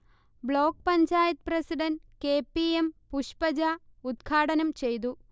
Block panchayat president K. P. M. Pushpaja ഉദ്ഘാടനംചെയ്തു